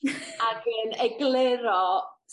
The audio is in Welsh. ag yn egluro